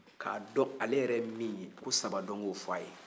k'a dɔn ale yɛrɛ ye min ye ko sabadɔn k'o fɔ a ye